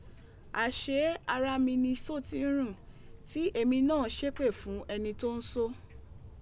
Àṣé ara mi ni isó tí ń rùn, tí èmi náà ń ṣépè fún ẹni tí ń só